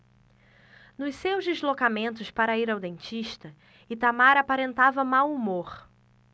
nos seus deslocamentos para ir ao dentista itamar aparentava mau humor